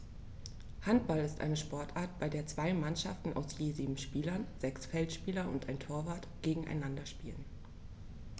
Handball ist eine Sportart, bei der zwei Mannschaften aus je sieben Spielern (sechs Feldspieler und ein Torwart) gegeneinander spielen.